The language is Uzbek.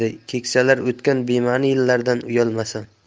edi keksalik o'tgan bema'ni yillardan uyalmasin